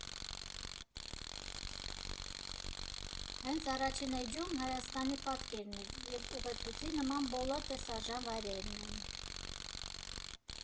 Հենց առաջին էջում Հայաստանի պատկերն էր և ուղեցույցի նման բոլոր տեսարժան վայրերն էին։